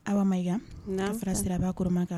Awa Mɛyiga, naamu, Sira Siraba kɔrɔmakan.